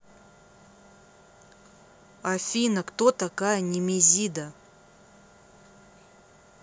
афина кто такая немезида